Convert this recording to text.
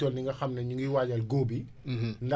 ndax xam dañ ko war a door wala dañu war a xaar d' abord